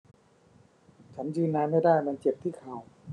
ฉันยืนนานไม่ได้มันเจ็บที่เข่า